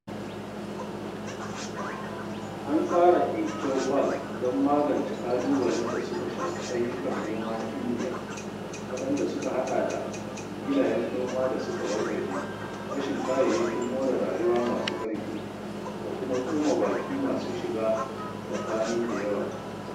An tsara e-Choupal don magance ƙalubalen da suka shafi ayyukan noma na Indiya, waɗanda suka haɗa da filayen noma da suka wargaje, rashin kayayyakin more rayuwa masu ƙarfi, da kuma tsoma bakin masu shiga tsakani da yawa...